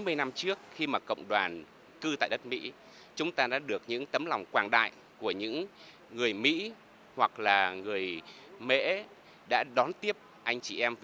mươi năm trước khi mà cộng đoàn cư tại mỹ chúng ta đã được những tấm lòng quảng đại của những người mỹ hoặc là người mễ đã đón tiếp anh chị em việt